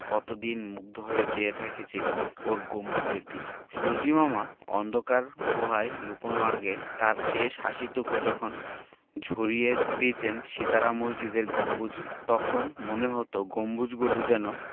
কতদিন মুগ্ধ হয়ে চেয়ে থেকেছি ওর গম্বুজের দিকে সূর্য্যিমামা অন্ধকার গুহায় লুকানোর আগে তাঁর শেষ হাসিটুকু যখন ঝরিয়ে দিতেন সিতারা মসজিদের গম্বুজে তখন মনে হতো গম্বুজগুলো যেন